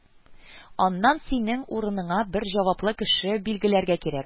Аннан синең урыныңа бер җаваплы кеше билгеләргә кирәк